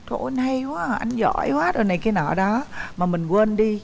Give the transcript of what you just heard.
trồi ôi anh hay quá anh giỏi quá rồi này kia nọ đó mà mình quên đi